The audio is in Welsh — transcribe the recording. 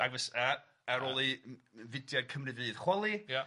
ac fys- a- ar ôl i m- m- fudiad Cymru Fydd chwalu... Ia...